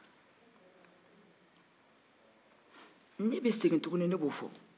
ne segin k'o fɔ tuguni